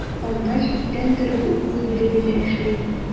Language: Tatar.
Анда читтән торып уку бүлеге дә эшли.